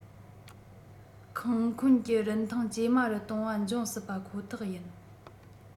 ཁང ཁོངས ཀྱི རིན ཐང ཇེ དམའ རུ གཏོང བ འབྱུང སྲིད པ ཁོ ཐག ཡིན